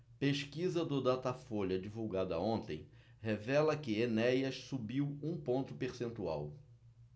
pesquisa do datafolha divulgada ontem revela que enéas subiu um ponto percentual